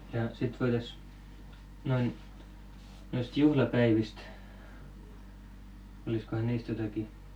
ja sitten voitaisiin noin noista juhlapäivistä olisikohan niistä jotakin